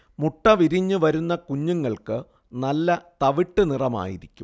മുട്ട വിരിഞ്ഞ് വരുന്ന കുഞ്ഞുങ്ങൾക്ക് നല്ല തവിട്ട് നിറമായിരിക്കും